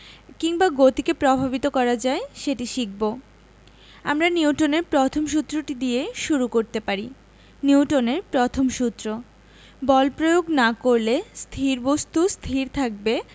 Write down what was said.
কিংবা গতিকে প্রভাবিত করা যায় সেটি শিখব আমরা নিউটনের প্রথম সূত্রটি দিয়ে শুরু করতে পারি নিউটনের প্রথম সূত্র বল প্রয়োগ না করলে স্থির বস্তু স্থির থাকবে